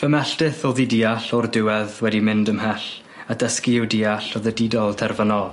Fy melltith o'dd i deall o'r diwedd wedi mynd ymhell a dysgu yw deall o'dd y didol terfynol.